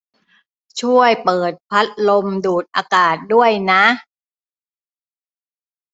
ช่วยเปิดพัดลมดูดอากาศด้วยนะ